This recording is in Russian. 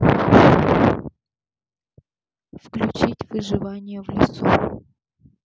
включить выживание в лесу